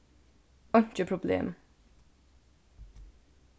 einki problem